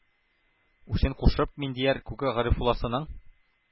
Үчен кушып, миндияр күке гарифулласының